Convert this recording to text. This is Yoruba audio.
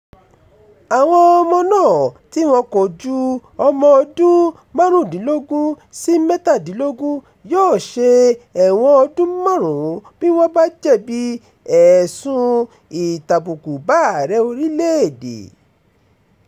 Àwọn ọmọ náà tí wọn kò ju ọmọ ọdún 15 sí 17 yóò ṣe ẹ̀wọ̀n ọdún márùn-ún bí wọ́n bá jẹ̀bi ẹ̀sùn ìtàbùkù bá Ààrẹ orílẹ̀-èdè.